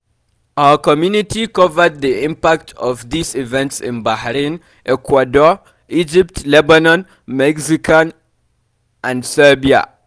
Our community covered the impact of these events in Bahrain, Ecuador, Egypt, Lebanon, Mexico and Serbia.